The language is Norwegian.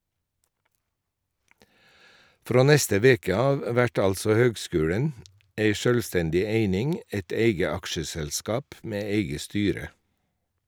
Frå neste veke av vert altså høgskulen ei sjølvstendig eining , eit eige aksjeselskap med eige styre.